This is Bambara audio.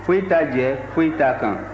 foyi t'a jɛ foyi t'a kan